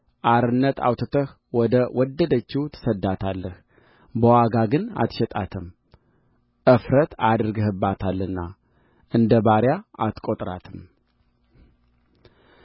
አርነት አውጥተህ ወደ ወደደችው ትሰድዳታለህ በዋጋ ግን አትሸጣትም እፍረት አድርገህባታልና እንደ ባሪያ አትቈጥራትም